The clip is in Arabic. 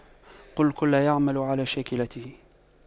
قُل كُلٌّ يَعمَلُ عَلَى شَاكِلَتِهِ